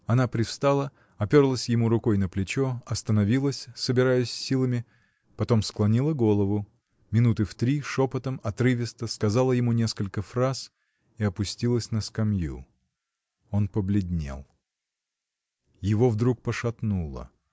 Она привстала, оперлась ему рукой на плечо, остановилась, собираясь с силами, потом склонила голову, минуты в три, шепотом, отрывисто сказала ему несколько фраз и опустилась на скамью. Он побледнел. Его вдруг пошатнуло.